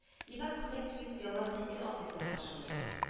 Ефәк күлмәк киеп ялан тәпи атлыйсың каршыма